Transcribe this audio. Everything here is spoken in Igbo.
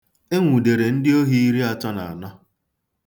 E nwudere ndị ohi iriatọ na anọ.